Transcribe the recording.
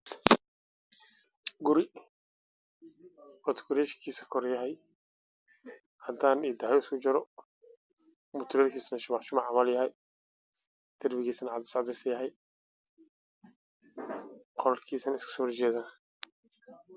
Waa Guri cadaan ah mutulel kiisu yahay shumac shumac